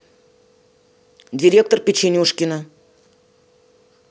директор печенюшкина